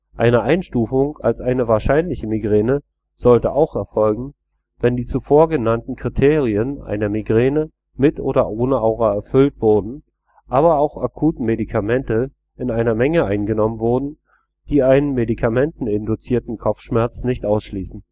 Eine Einstufung als eine wahrscheinliche Migräne sollte auch erfolgen, wenn die zuvor genannten Kriterien einer Migräne mit oder ohne Aura erfüllt wurden, aber auch akut Medikamente in einer Menge eingenommen wurden, die einen medikamenteninduzierten Kopfschmerz nicht ausschließen